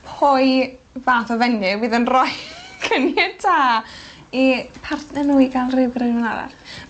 pwy fath o fenyw fydd yn roi cyniata i partner n'w i ga'l ryw gyda rywun arall.